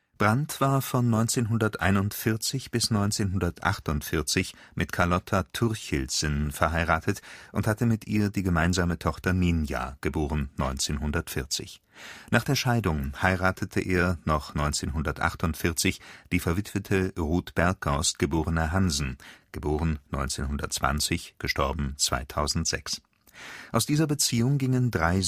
Brandt war von 1941 bis 1948 mit Carlota Thorkildsen verheiratet und hatte mit ihr die gemeinsame Tochter Ninja (* 1940). Nach der Scheidung heiratete er noch 1948 die verwitwete Rut Bergaust, geborene Hansen (* 1920, † 2006). Aus dieser Beziehung gingen drei